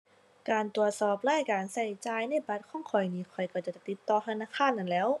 การตรวจสอบรายการใช้จ่ายในบัตรของข้อยนี่ ข้อยก็จะจะติดต่อธนาคารนั้นแหล้ว